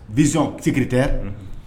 Vision sécuritaire